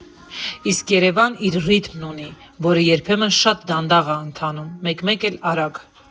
Իսկ Երևանն իր ռիթմն ունի, որը երբեմն շատ դանդաղ ա ընթանում, մեկ֊մեկ էլ՝ արագ։